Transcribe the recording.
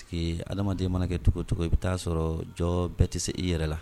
Adamadamaden mana kɛcogo cogo i bɛ'a sɔrɔ jɔ bɛɛ tɛ se i yɛrɛ la